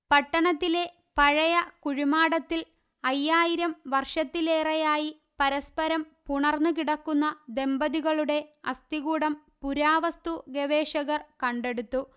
പട്ടണത്തിലെ പഴയ കുഴിമാടത്തിൽ അയ്യായിരം വർഷത്തിലേറെയായി പരസ്പരം പുണർന്നു കിടക്കുന്ന ദമ്പതികളുടെ അസ്ഥികൂടം പുരാവസ്തു ഗവേഷകർ കണ്ടെടുത്തു